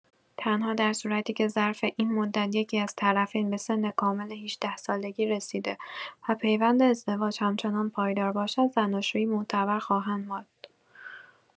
تنها در صورتی که ظرف این مدت یکی‌از طرفین به سن کامل ۱۸ سالگی رسیده و پیوند ازدواج همچنان پایدار باشد، زناشویی معتبر خواهد ماند.